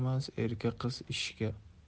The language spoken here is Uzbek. yaramas erka qiz ishga